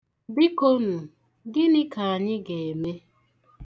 Bikonụ, gịnị ka anyị ga-eme?